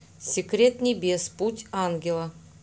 секрет небес путь ангела